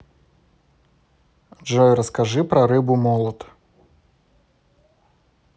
джой расскажи про рыбу молот